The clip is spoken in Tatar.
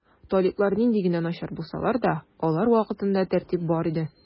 Талиблар нинди генә начар булсалар да, алар вакытында тәртип бар иде.